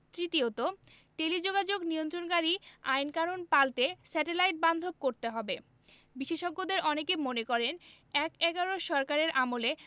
তৃতীয়ত টেলিযোগাযোগ নিয়ন্ত্রণকারী আইনকানুন পাল্টে স্যাটেলাইট বান্ধব করতে হবে বিশেষজ্ঞদের অনেকে মনে করেন এক এগারোর সরকারের আমলে